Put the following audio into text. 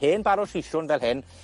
hen bâr o sisiwn fel hyn,